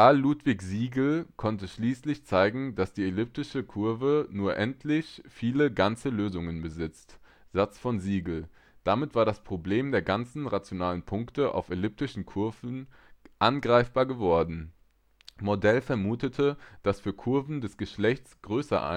Ludwig Siegel konnte schließlich zeigen, dass jede elliptische Kurve nur endlich viele ganze Lösungen besitzt (Satz von Siegel). Damit war das Problem der ganzen und rationalen Punkte auf elliptischen Kurven angreifbar geworden. Mordell vermutete, dass für Kurven des Geschlechts >